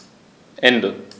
Ende.